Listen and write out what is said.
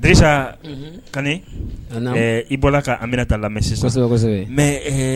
Drissa unhun Kane ɛ naam ɛɛ i bɔla kaa Aminata lamɛ sisan kɔsɛbɛ-kɔsɛbɛ mais ɛɛ